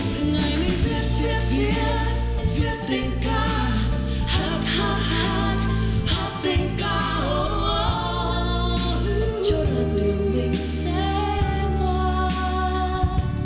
từng ngày mình viết viết viết viết tình ca hát hát hát hát tình ca cho đoạn đường mình đã sẽ qua